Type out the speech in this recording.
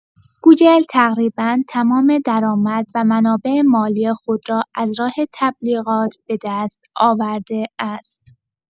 گوگل تقریبا تمام درآمد و منابع مالی خود را از راه تبلیغات بدست آورده است.